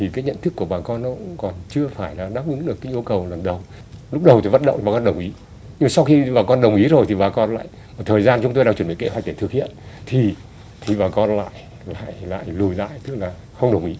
thì cứ nhận thức của bà con nó vẫn còn chưa phải là đáp ứng được yêu cầu lần đầu lúc đầu thì vẫn đậu nói là đồng ý nhưng sau khi bà con đồng ý rồi thì bà con lại một thời gian chúng tôi đang chuẩn bị kế hoạch để thực hiện thì thì bà con lại lại lùi lại tức là không đồng ý